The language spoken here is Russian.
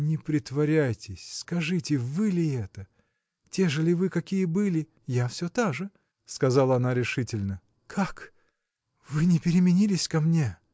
– Не притворяйтесь, скажите, вы ли это? те же ли вы, какие были? – Я все та же! – сказала она решительно. – Как! вы не переменились ко мне?